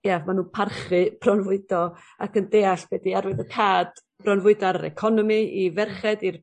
ia ma' nw'n parchu bronfwydo ac yn deall be' 'di arwyddocad bronfwydo ar yr economi i ferched i'r